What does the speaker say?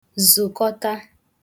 zụ̀kọta